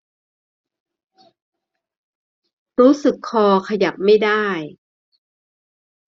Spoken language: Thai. รู้สึกคอขยับไม่ได้